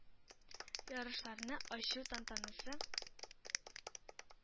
Ярышларны ачу тантанасы